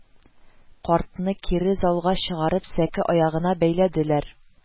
Картны кире залга чыгарып сәке аягына бәйләделәр